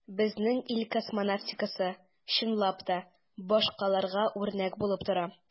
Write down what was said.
Безнең ил космонавтикасы, чынлап та, башкаларга үрнәк булып тора.